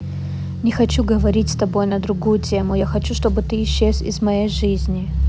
не хочу говорить с тобой на другую тему я хочу чтобы ты исчез моей жизни